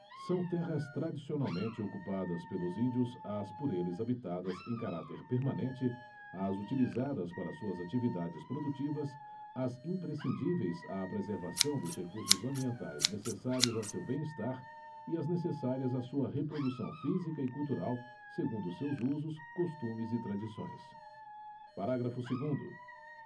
são terras tradicionalmente ocupadas pelos índios as por eles habitadas em caráter permanente as utilizadas para suas atividades produtivas as imprescindíveis à preservação dos recursos ambientais necessários a seu bem estar e as necessárias a sua reprodução física e cultural segundo seus usos costumes e tradições parágrafo segundo